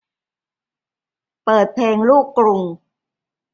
เปิดเพลงลูกกรุง